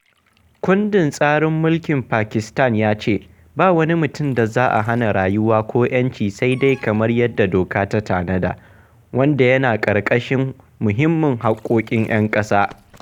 Kundin tsarin mulkin Pakistan ya ce "ba wani mutum da za a hana rayuwa ko 'yanci sai dai kamar yadda doka ta tanada," wanda yana ƙarƙashin Muhimman Haƙƙoƙin 'Yan ƙasa.